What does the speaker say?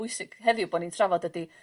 ...bwysig heddiw bo' ni'n trafod ydi